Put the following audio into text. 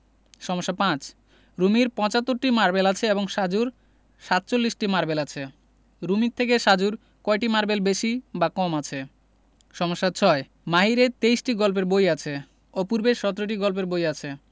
সমস্যা ৫ রুমির ৭৫টি মারবেল আছে এবং রাজুর ৪৭টি মারবেল আছে রুমির থেকে রাজুর কয়টি মারবেল বেশি বা কম আছে সমস্যা ৬ মাহিরের ২৩টি গল্পের বই আছে অপূর্বের ১৭টি গল্পের বই আছে